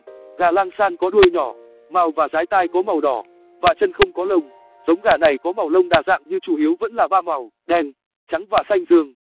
gà langshan có đuôi nhỏ mào và dái tai có màu đỏ và chân không có lông giống gà này có màu lông đa dạng như chủ yếu vẫn là màu đen trắng và xanh dương